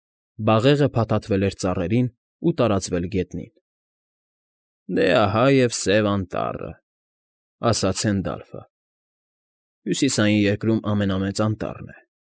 Բաղեղը փաթաթվել էր ծառերին ու տարածվել գետնին։ ֊ Դե, ահա և Սև Անտառը,֊ ասաց Հենդալֆը։֊ Հյուսիսային երկրում ամենամեծ անտառն է։